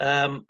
yym